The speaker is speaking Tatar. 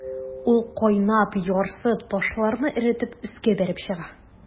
Ул кайнап, ярсып, ташларны эретеп өскә бәреп чыга.